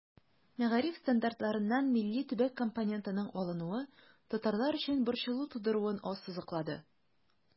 Мәгариф стандартларыннан милли-төбәк компонентының алынуы татарлар өчен борчылу тудыруын ассызыклады.